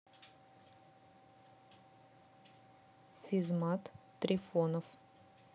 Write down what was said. физмат трифонов